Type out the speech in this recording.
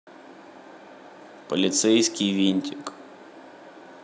полицейский винтик